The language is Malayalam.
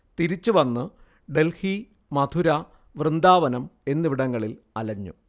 തിരിച്ചുവന്ന് ഡൽഹി, മഥുര, വൃന്ദാവനം എന്നിവിടങ്ങളിൽ അലഞ്ഞു